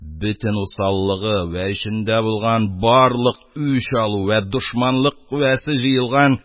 Бөтен усаллыгы вә эчендә булган барлык үч алу вә дошманлык куәсе җыелган